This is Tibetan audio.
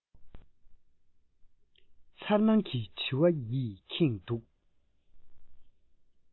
མཚར སྣང གི དྲི བ ཡིས ཁེངས འདུག